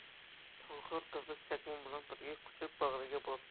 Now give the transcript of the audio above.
tohir qizni chakmon bilan birga quchib bag'riga bosdi